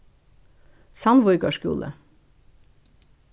sandvíkar skúli